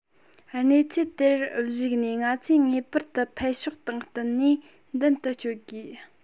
གནས ཚུལ དེར གཞིགས ནས ང ཚོས ངེས པར དུ འཕེལ ཕྱོགས དང བསྟུན ནས མདུན དུ བསྐྱོད དགོས